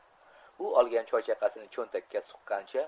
u olgan choychaqasini cho'ntakka suqqancha